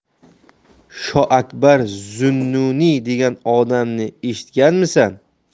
shoakbar zunnuniy degan odamni eshitganmisan